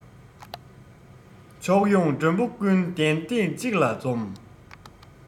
ཕྱོགས ཡོང མགྲོན པོ ཀུན གདན སྟེང གཅིག ལ འཛོམས